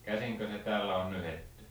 käsinkö se täällä on nyhdetty